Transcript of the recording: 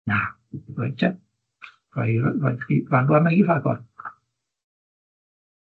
Na, reit te, rhaid rhaid i chi rando arna i rhagor.